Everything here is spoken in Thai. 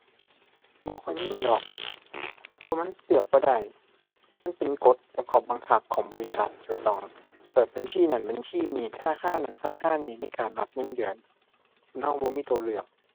บ่ค่อยมีดอก เพราะมันเลือกบ่ได้ มันเป็นกฎและข้อบังคับของบริษัท จะต้องเปิดบัญชีนั้นบัญชีนี้ ธนาคารนั้นธนาคารนี้ในการรับเงินเดือน เราบ่มีตัวเลือก